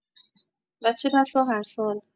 و چه‌بسا هر سال!